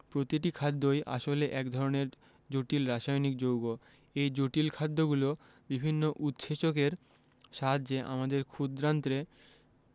প্রতিটি খাদ্যই আসলে এক ধরনের জটিল রাসায়নিক যৌগ এই জটিল খাদ্যগুলো বিভিন্ন উৎসেচকের সাহায্যে আমাদের ক্ষুদ্রান্তে